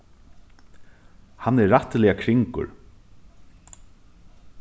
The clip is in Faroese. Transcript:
hann er rættiliga kringur